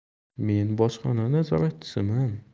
men bojxona nazoratchisiman